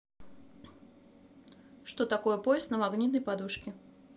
что такое поезд на магнитной подушке